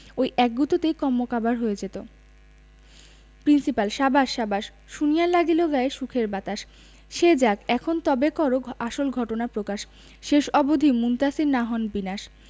ঐ এক গুঁতোতেই কন্মকাবার হয়ে যেত প্রিন্সিপাল সাবাস সাবাস শুনিয়া লাগিল গায়ে সুখের বাতাস সে যাক এখন তবে করো আসল ঘটনা প্রকাশ শেষ অবধি মুনতাসীর না হন বিনাশ